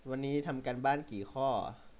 วันนี้ทำการบ้านกี่ข้อ